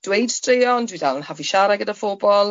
dweud straeon, dwi dal yn hoffi siarad gyda phobol.